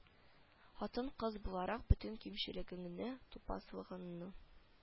Хатын-кыз буларак бөтен кимчелегеңне тупаслыгыңны